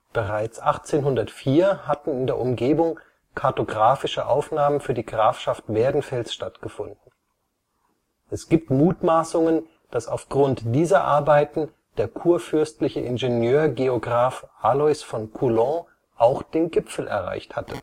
Bereits 1804 hatten in der Umgebung kartographische Aufnahmen für die Grafschaft Werdenfels stattgefunden. Es gibt Mutmaßungen, dass aufgrund dieser Arbeiten der kurfürstliche Ingenieur-Geograph Alois von Coulon auch den Gipfel erreicht hatte